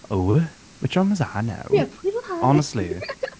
Ww which one was that now? Honestly.